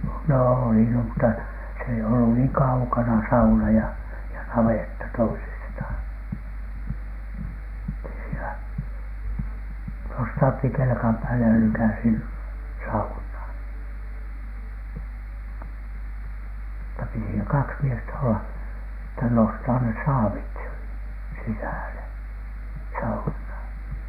no oli no mutta se ei ollut niin kaukana sauna ja ja navetta toisistaan että ei siinä nostahdutti kelkan päälle ja lykkäsi - saunaan mutta piti siinä kaksi miestä olla että nostaa ne saavit sisälle saunaan